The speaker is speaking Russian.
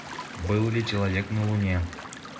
был ли человек на луне